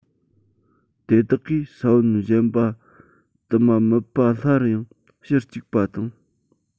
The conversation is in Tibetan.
དེ དག གིས ས བོན གཞན པ དུ མ མིད པ སླར ཡང ཕྱིར སྐྱུག པ དང